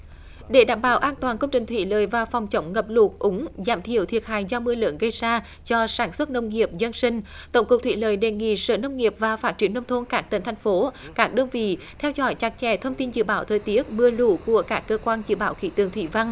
để đảm bảo an toàn công trình thủy lợi và phòng chống ngập lụt úng giảm thiểu thiệt hại do mưa lớn gây ra cho sản xuất nông nghiệp dân sinh tổng cục thủy lợi đề nghị sở nông nghiệp và phát triển nông thôn các tỉnh thành phố các đơn vị theo dõi chặt chẽ thông tin dự báo thời tiết mưa lũ của các cơ quan dự báo khí tượng thủy văn